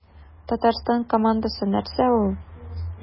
Татарстан командасы нәрсә ул?